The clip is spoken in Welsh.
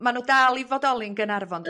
Ma' nw dal i fodoli yn Gaernarfon...